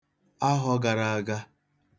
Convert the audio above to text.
ahọ gārā āgā